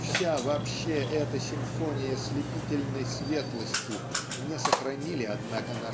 и вся вообще эта симфония слепятельной светлости не сохранили однако